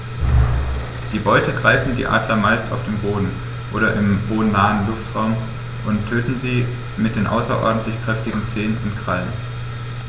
Die Beute greifen die Adler meist auf dem Boden oder im bodennahen Luftraum und töten sie mit den außerordentlich kräftigen Zehen und Krallen.